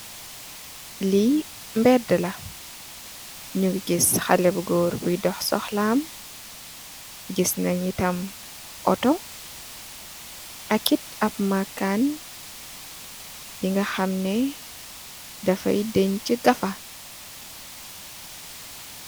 Lii mbeed la, nyu ngi gis xale bu goor bi dox soxlam, gis naaj nyi tam ooto, ak kit ab maakaan bi nga xamne dafaay deej cii gafa.